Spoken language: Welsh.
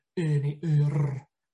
y neu y rrr.